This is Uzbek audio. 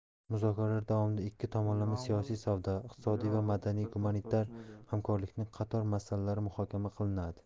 muzokaralar davomida ikki tomonlama siyosiy savdo iqtisodiy va madaniy gumanitar hamkorlikning qator masalalari muhokama qilinadi